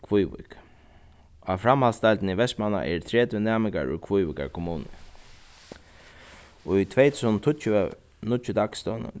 kvívík á framhaldsdeildini í vestmanna eru tretivu næmingar úr kvívíkar kommunu í tvey túsund og tíggju nýggjur